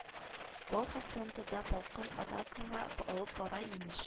Волхов фронтында полкын атакага алып бара имеш